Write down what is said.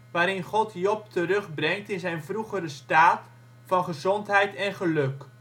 waarin God Job terugbrengt in zijn vroegere staat van gezondheid en geluk